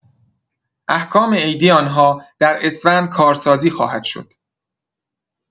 احکام عیدی آن‌ها در اسفند کارسازی خواهد شد.